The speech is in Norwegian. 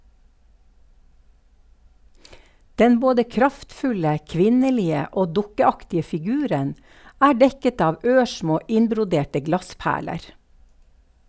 Den både kraftfulle, kvinnelige og dukkeaktige figuren er dekket av ørsmå, innbroderte glassperler.